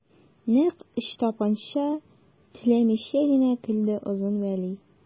Нәкъ Ычтапанча теләмичә генә көлде Озын Вәли.